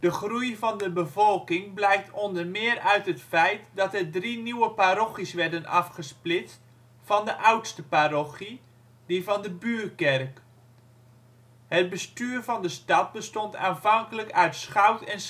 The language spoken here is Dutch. groei van de bevolking blijkt onder meer uit het feit dat er drie nieuwe parochies werden afgesplitst van de oudste parochie, die van de Buurkerk. Het bestuur van de stad bestond aanvankelijk uit schout en